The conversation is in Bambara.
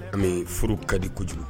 An bɛ furu ka di kojugu